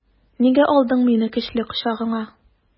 Нигә алдың мине көчле кочагыңа?